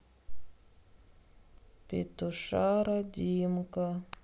петушара димка